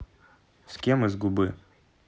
с кем из губы